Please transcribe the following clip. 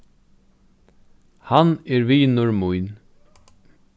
hann er vinur mín